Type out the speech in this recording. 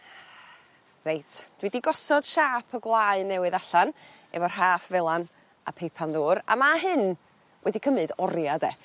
Reit dwi 'di gosod siâp y gwlau newydd allan efo rhaff felan a peipan ddŵr a ma' hyn wedi cymyd oria 'de.